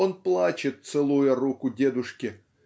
он плачет, целуя руку дедушке